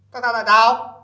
sao tao tại tao